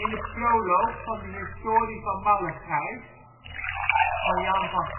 de proloog van de Historie van Malegijs (Jan van